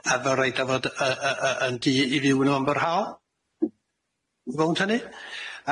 A ma' raid o fod yy yy yn dŷ i fyw yno yn byrhaol mewn tynnu.